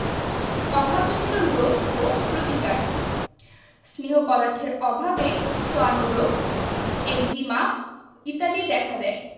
অভাবজনিত রোগ ও প্রতিকার স্নেহ পদার্থের অভাবে চর্মরোগ একজিমা ইত্যাদি দেখা দেয়